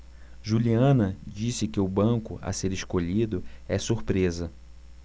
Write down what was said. juliana disse que o banco a ser escolhido é surpresa